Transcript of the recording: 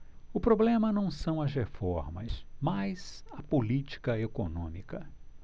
o problema não são as reformas mas a política econômica